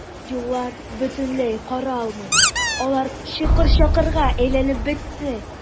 Юллар бөтенләй каралмый, алар чокыр-чакырга әйләнеп бетте.